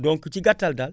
donc ci gàttal daal